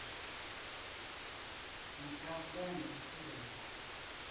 никогда не стой